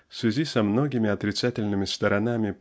в связи со многими отрицательными сторонами